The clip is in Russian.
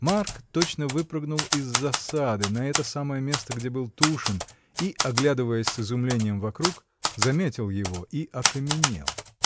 Марк точно выпрыгнул из засады на это самое место, где был Тушин, и, оглядываясь с изумлением вокруг, заметил его и окаменел.